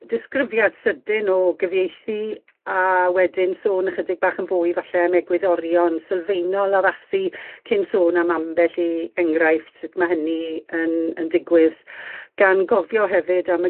Disgrifiad sydyn o gyfieithu a wedyn sôn ychydig bach yn fwy falle am egwyddorion sylfaenol addasu cyn sôn am ambell i enghraifft sut ma' hynny yn yn digwydd gan gofio hefyd am